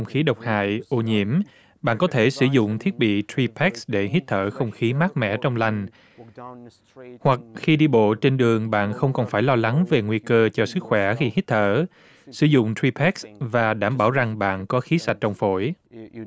khí độc hại ô nhiễm bạn có thể sử dụng thiết bị thủy bếch để hít thở không khí mát mẻ trong lành hoặc khi đi bộ trên đường bạn không còn phải lo lắng về nguy cơ cho sức khỏe khi hít thở sử dụng thuy bát và đảm bảo rằng bạn có khí sạch trong phổi